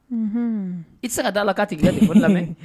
Unhun i te se ka da la ka tigi lamɛn